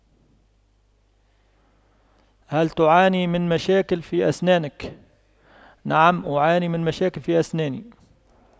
هل تعاني من مشاكل في أسنانك نعم أعاني من مشاكل في أسناني